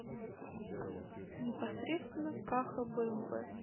непосредственно каха бмв